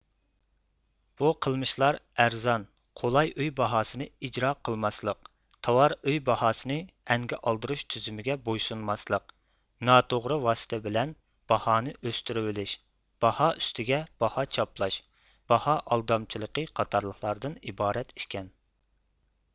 بۇ قىلمىشلار ئەرزان قولاي ئۆي باھاسىنى ئىجرا قىلماسلىق تاۋار ئۆي باھاسىنى ئەنگە ئالدۇرۇش تۈزۈمىگە بويسۇنماسلىق ناتوغرا ۋاسىتە بىلەن باھانى ئۆستۈرىۋېلىش باھائۈستىگە باھا چاپلاش باھا ئالدامچىلىقى قاتارلىقلاردىن ئىبارەت ئىكەن